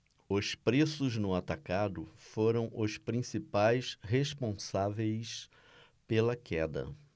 os preços no atacado foram os principais responsáveis pela queda